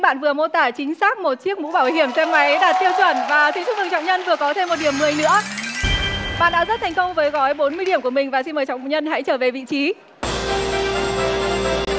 bạn vừa mô tả chính xác một chiếc mũ bảo hiểm xe máy đạt tiêu chuẩn và xin chúc mừng trọng nhân vừa có thêm một điểm mười nữa bạn đã rất thành công với gói bốn mươi điểm của mình và xin mời trọng nhân hãy trở về vị trí